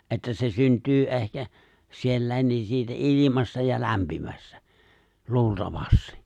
että se syntyy ehkä siellä niin siitä ilmasta ja lämpimästä luultavasti